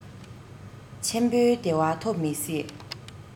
ཆེན པོའི བདེ བ ཐོབ མི སྲིད